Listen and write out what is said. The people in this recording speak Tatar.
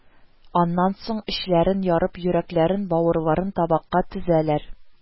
Аннан соң эчләрен ярып, йөрәкләрен, бавырларын табакка тезәләр